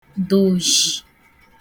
dòshì